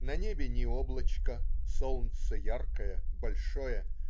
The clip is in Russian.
На небе ни облачка, солнце яркое, большое.